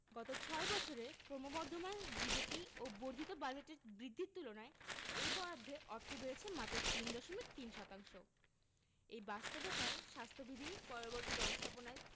গত ছয় বছরে ক্রমবর্ধমান জিডিপি ও বর্ধিত বাজেটের বৃদ্ধির তুলনায় এই বরাদ্দে অর্থ বেড়েছে মাত্র তিন দশমিক তিন শতাংশ এই বাস্তবতায় স্বাস্থ্যবিধি পয়ঃবর্জ্য ব্যবস্থাপনায়